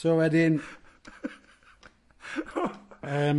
So wedyn, yym…